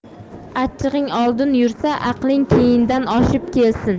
achchig'ing oldin yursa aqling keynidan oshib kelsin